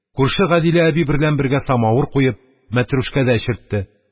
Күрше Гадилә әби берлән бергә самавыр куеп, мәтрүшкә дә эчертте